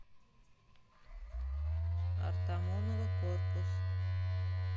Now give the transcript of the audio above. артамонова корпус